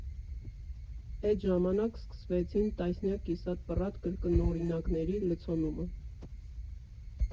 Էդ ժամանակ սկսվեցին տասնյակ կիսատ֊պռատ կրկնօրինակների լցոնումը։